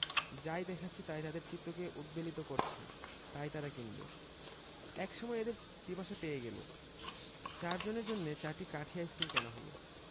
যাই দেখাচ্ছে তাই তাদের চিত্তকে উদ্বেলিত করছে তাই তারা কিনবে এক সময় এদের পিপাসা পেয়ে গেল চারজনের জন্যে চারটি কাঠি আইসক্রিম কেনা হল